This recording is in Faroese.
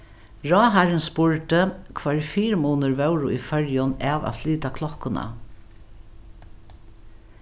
ráðharrin spurdi hvørjir fyrimunir vóru í føroyum av at flyta klokkuna